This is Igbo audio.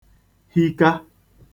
hika